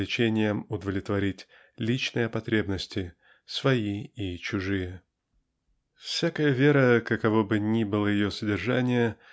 влечением удовлетворить: личные потребности, свои и чужие. Всякая вера каково бы ни было ее содержание